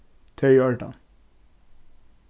tað er í ordan